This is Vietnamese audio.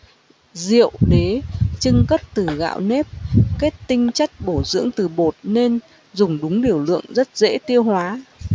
rượu đế chưng cất từ gạo nếp kết tinh chất bổ dưỡng từ bột nên dùng đúng liều lượng rất dễ tiêu hóa